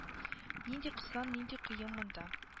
Нинди кысан нинди кыен монда